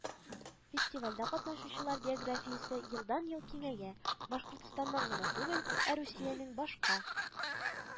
Фестивальдә катнашучылар географиясе елдан-ел киңәя, Башкортстаннан гына түгел, ә Русиянең башка